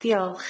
Diolch.